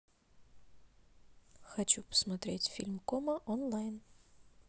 хочу посмотреть фильм кома онлайн